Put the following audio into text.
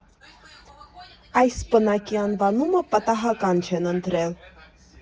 Այս պնակի անվանումը պատահական չեն ընտրել։